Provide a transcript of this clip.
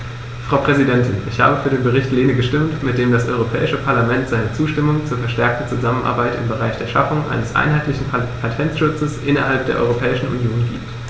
Frau Präsidentin, ich habe für den Bericht Lehne gestimmt, mit dem das Europäische Parlament seine Zustimmung zur verstärkten Zusammenarbeit im Bereich der Schaffung eines einheitlichen Patentschutzes innerhalb der Europäischen Union gibt.